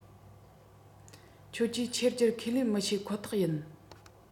ཁྱོད ཀྱིས ཁྱེར རྒྱུར ཁས ལེན མི བྱེད ཁོ ཐག ཡིན